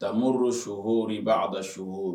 Tamoro so h b'a da so